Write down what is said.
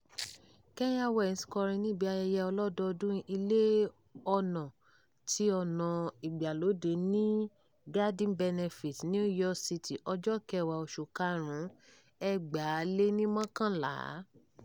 Kanye West ń kọrin níbi ayẹyẹ ọlọ́dọọdún Ilé-ọnà ti Ọnà Ìgbàlódé ní Garden benefit, New York City, ọjọ́ 10, oṣù karùn-ún, 2011.